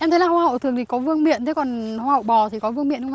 em thấy là hoa hậu thường thì có vương miện thế còn hoa hậu bò thì có vương miện không